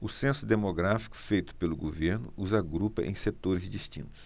o censo demográfico feito pelo governo os agrupa em setores distintos